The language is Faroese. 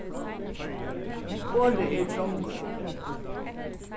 orðið er drongur